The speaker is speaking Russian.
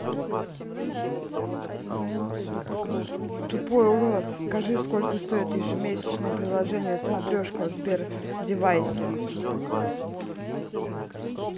тупой урод скажи сколько стоит ежемесячное приложение смотрешка в сбер девайсе